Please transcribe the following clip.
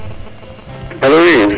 alo oui